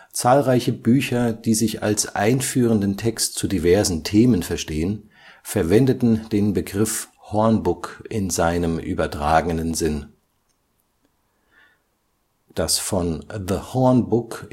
Zahlreiche Bücher, die sich als einführenden Text zu diversen Themen verstehen, verwendeten den Begriff “Hornbook” in seinem übertragenen Sinn. Das von The Horn Book